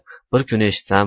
bir kuni eshitsam